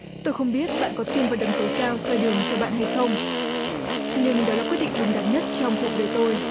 tôi không biết bạn có tin vào đấng tối cao soi đường cho bạn hay không nhưng đó là quyết định đúng đắn nhất trong cuộc đời tôi